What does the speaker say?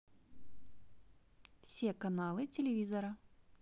все каналы телевизора